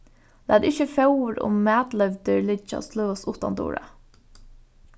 lat ikki fóður og matleivdir liggja og sløðast uttandura